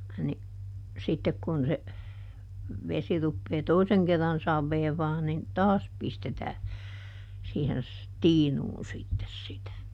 niin sitten kun se vesi rupeaa toisen kerran saveavaa niin taas pistetään siihen - tiinuun sitten sitä